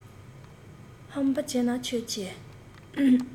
ཧམ པ ཆེ ན ཁྱོད ཆེ